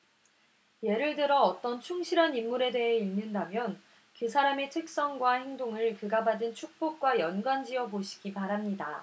예를 들어 어떤 충실한 인물에 대해 읽는다면 그 사람의 특성과 행동을 그가 받은 축복과 연관 지어 보시기 바랍니다